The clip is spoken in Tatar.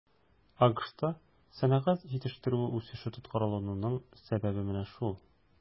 АКШта сәнәгать җитештерүе үсеше тоткарлануның сәбәбе менә шул.